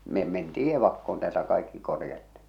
me mentiin evakkoon täältä kaikki korjattiin